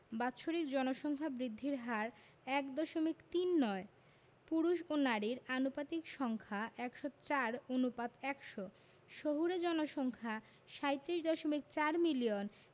বাৎসরিক জনসংখ্যা বৃদ্ধির হার ১দশমিক তিন নয় পুরুষ ও নারীর আনুপাতিক সংখ্যা ১০৪ অনুপাত ১০০ শহুরে জনসংখ্যা ৩৭দশমিক ৪ মিলিয়ন